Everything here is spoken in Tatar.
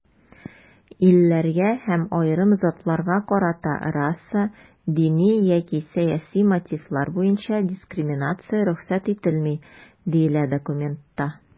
"илләргә һәм аерым затларга карата раса, дини яки сәяси мотивлар буенча дискриминация рөхсәт ителми", - диелә документта.